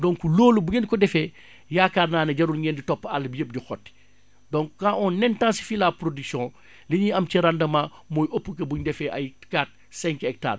donc loolu bu ngeen ko defee yaakaar naa ne jarul ngeen di topp àll bi yépp di xotti donc quand on intensifie la production li ñuy am ci rendement mooy ëpp bu ñu defee ay quatre cinq hectares